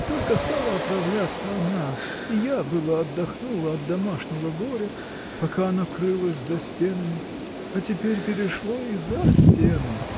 Только стала оправляться она, и я было отдохнула от домашнего горя, пока оно крылось за стенами, а теперь перешло и за стены.